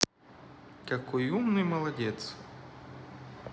какой умный молодец